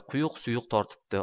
quyuq suyuq tortibdi